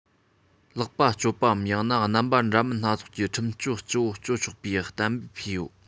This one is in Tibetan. ལག པ གཅོད པའམ ཡང ན རྣམ པ འདྲ མིན སྣ ཚོགས ཀྱི ཁྲིམས གཅོད ལྕི པོ གཅོད ཆོག པའི གཏན འབེབས བྱས ཡོད